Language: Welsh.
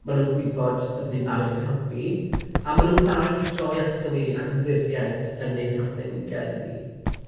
Maen nhw'n gwybod byddwn ni'n barod i'w helpu, a ma' nhw'n barod i droi ato ni ac ymddiried yn ein harbenigedd ni.